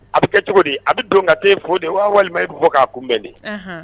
A bɛ kɛ cogo di a bɛ don ka fɔ de wa walima i bɛ fɔ k'a kunbɛn